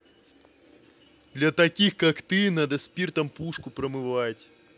для таких как ты надо спиртом пушку промывать